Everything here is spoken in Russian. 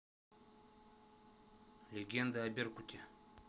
легенда о беркуте